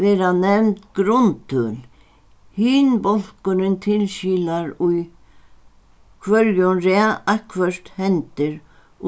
verða nevnd grundtøl hin bólkurin tilskilar í hvørjum rað eitthvørt hendir